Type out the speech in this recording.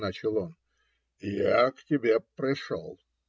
- начал он: - як тебе пришел.